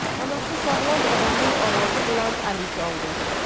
onasi sog'lom odamning ovozi bilan alik oldi